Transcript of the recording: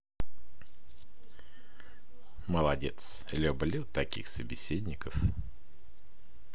молодец люблю таких собеседников